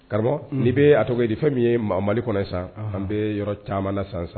Karamɔgɔ; Un; n'i bɛ a tɔgɔ ye di fɛn min ye Ma Mali kɔnɔ yan sisan, an bɛ yɔrɔ caaman na sisan.